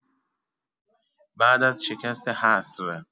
بعد از شکست حصر